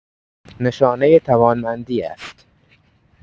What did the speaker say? نشانۀ توانمندی است.